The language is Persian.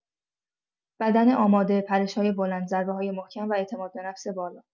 بدن آماده، پرش‌های بلند، ضربه‌های محکم و اعتمادبه‌نفس بالا.